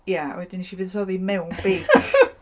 Ie a wedyn wnes i fuddsoddi mewn beic.